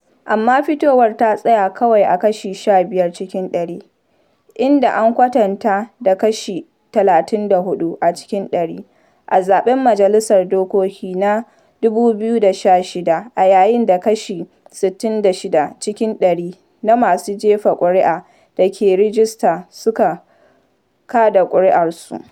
Amma, fitowar ta tsaya kawai a kashi 15 cikin ɗari, idan an kwatanta da kashi 34 a cikin ɗari a zaɓen majalisar dokoki na 2016 a yayin da kashi 66 cikin ɗari na masu jefa kuri’a da ke rijista suka kaɗa kuri’arsu.